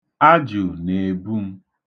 Ajụ na-ebu m